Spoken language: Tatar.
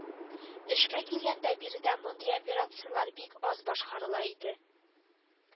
Эшкә килгәндә биредә мондый операцияләр бик аз башкарыла иде